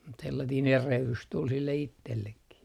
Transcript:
mutta sellainen erehdys tuli sille itsellekin